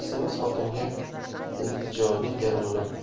semiz xotinga iltijoli termilib